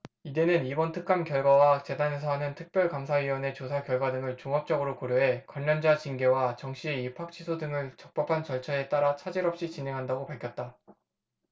이대는 이번 특감 결과와 재단에서 하는 특별감사위원회 조사 결과 등을 종합적으로 고려해 관련자 징계와 정씨의 입학취소 등을 적법한 절차에 따라 차질 없이 진행하겠다고 밝혔다